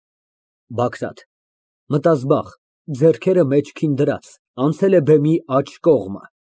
ԲԱԳՐԱՏ ֊ (Մտազբաղ, ձեռքերը մեջքին դրած, անցել է բեմի աջ կողմը)։